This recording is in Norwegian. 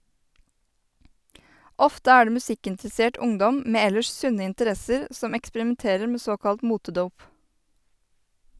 Ofte er det musikkinteressert ungdom med ellers sunne interesser som eksperimenterer med såkalt motedop.